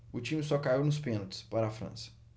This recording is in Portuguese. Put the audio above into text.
o time só caiu nos pênaltis para a frança